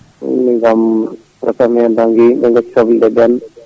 eyyi min kam kokkammi hen tan ko yo yimɓe gaccu sobleɗe ɓenda